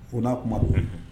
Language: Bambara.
O n'a kuma bɛ. Unhun.